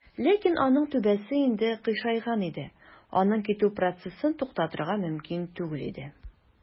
Ләкин аның түбәсе инде "кыйшайган" иде, аның китү процессын туктатырга мөмкин түгел иде.